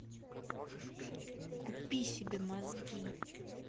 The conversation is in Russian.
купи себе мозги